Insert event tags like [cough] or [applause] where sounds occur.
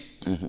[hesitation] [hesitation]